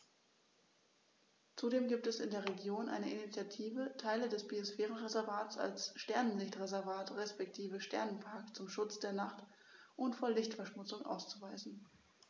Zudem gibt es in der Region eine Initiative, Teile des Biosphärenreservats als Sternenlicht-Reservat respektive Sternenpark zum Schutz der Nacht und vor Lichtverschmutzung auszuweisen.